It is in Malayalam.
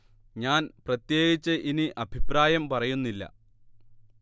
ഞാൻ പ്രത്യേകിച്ച് ഇനി അഭിപ്രായം പറയുന്നില്ല